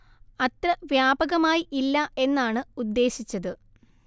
അത്ര വ്യാപകമായി ഇല്ല എന്നാണ് ഉദ്ദേശിച്ചത്